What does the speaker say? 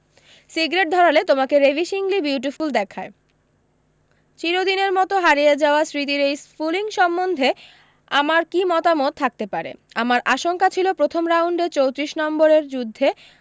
cigarette ধরালে তোমাকে ravishingly beautiful দেখায় চিরদিনের মতো হারিয়ে যাওয়া স্মৃতির এই স্ফুলিঙ্গ সম্বন্ধে আমার কী মতামত থাকতে পারে আমার আশঙ্কা ছিল প্রথম রাউন্ডে চোত্রিশ নম্বরের যুদ্ধে